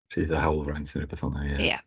Rhydd o hawlfraint neu rywbeth fel 'na ia?